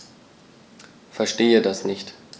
Verstehe das nicht.